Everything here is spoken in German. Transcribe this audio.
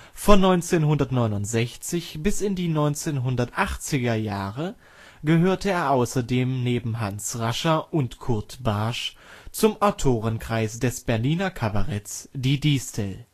Von 1969 bis in die 1980er Jahre gehörte er außerdem neben Hans Rascher und Kurt Bartsch zum Autorenkreis des Berliner Kabaretts Die Distel